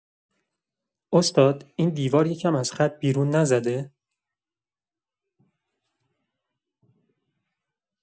استاد، این دیوار یه کم از خط بیرون نزده؟